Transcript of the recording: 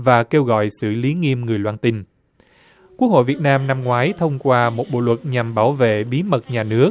và kêu gọi xử lý nghiêm người loan tin quốc hội việt nam năm ngoái thông qua một bộ luật nhằm bảo vệ bí mật nhà nước